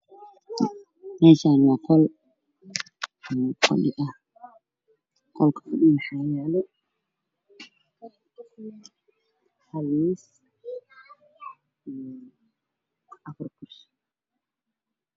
Waa qol waxaa yaalo miisaas fadhi kuraas miisaska waa dahabi kuraasta fadhiga waa qaleen daaha waa qalin ka ayaa dhulka yaal